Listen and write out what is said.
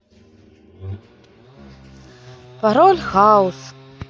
пароль хаус